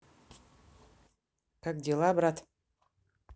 как дела брат